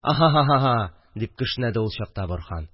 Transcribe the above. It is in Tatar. – ах-ха-ха, – дип кешнәде шул чакта борһан